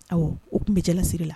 Ɔ o tun bɛ jalasiri la